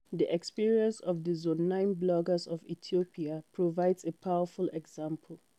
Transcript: The experience of the Zone9 bloggers of Ethiopia provides a powerful example.